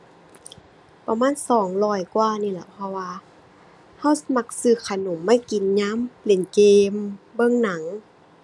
ประมาณสองร้อยกว่านี่ล่ะ เพราะว่าเรามักซื้อขนมมากินยามเล่นเกม เบิ่งหนัง